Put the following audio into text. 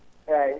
eeyi